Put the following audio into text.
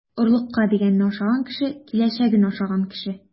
Орлыкка дигәнне ашаган кеше - киләчәген ашаган кеше.